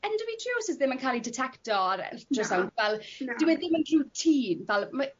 endometriosis ddim yn ca'l 'i ditecto ar ultrasound fal dyw e ddim yn routine fal ma'